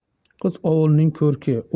qiz ovulning ko'rki